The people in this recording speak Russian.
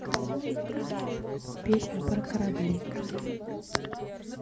песня про корабли